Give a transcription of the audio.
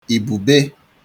ìbùbe